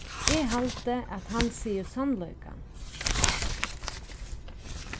eg haldi at hann sigur sannleikan